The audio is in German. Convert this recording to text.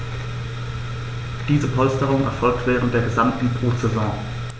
Diese Polsterung erfolgt während der gesamten Brutsaison.